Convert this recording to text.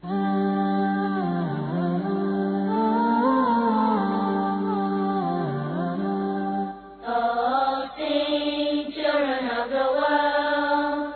San y den diɲɛgo wa